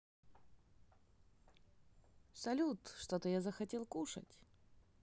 салют что то я захотел кушать